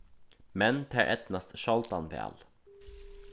men tær eydnast sjáldan væl